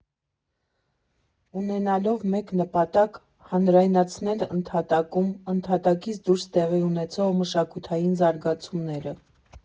Ունենալով մեկ նպատակ՝ հանրայնացնել ընդհատակում, ընդհատակից դուրս տեղի ունեցող մշակութային զարգացումները։